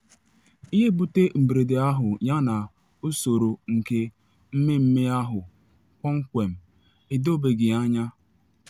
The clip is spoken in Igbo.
Ihe butere mberede ahụ yana usoro nke mmemme ahụ kpọmkwem edobeghi anya.